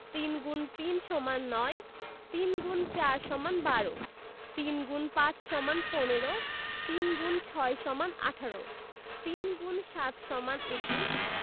৩ × ৩ = ৯ ৩ X ৪ = ১২ ৩ X ৫ = ১৫ ৩ x ৬ = ১৮ ৩ × ৭ = ২১